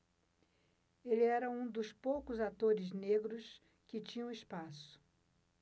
ele era um dos poucos atores negros que tinham espaço